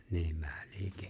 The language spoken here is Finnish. niin vähän -